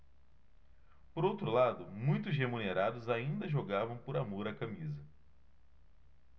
por outro lado muitos remunerados ainda jogavam por amor à camisa